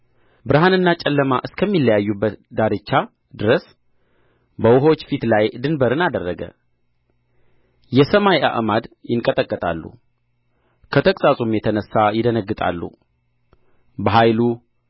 ብርሃንና ጨለማ እስከሚለያዩበት ዳርቻ ድረስ በውኆች ፊት ላይ ድንበርን አደረገ የሰማይ አዕማድ ይንቀጠቀጣሉ ከተግሣጹም የተነሣ ይደነግጣሉ በኃይሉ